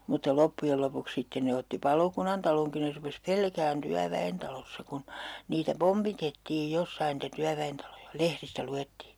mutta loppujen lopuksi sitten ne otti palokunnantalonkin ne rupesi pelkäämään työväentalossa kun niitä pompitettiin jossakin niitä työväentaloja lehdistä luettiin